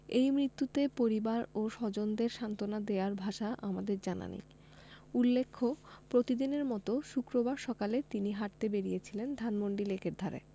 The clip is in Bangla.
এই মৃত্যুতে পরিবার ও স্বজনদের সান্তনা দেয়ার ভাষা আমাদের জানা নেই উল্লেখ্য প্রতিদিনের মতো শুক্রবার সকালে তিনি হাঁটতে বেরিয়েছিলেন ধানমন্ডি লেকের ধারে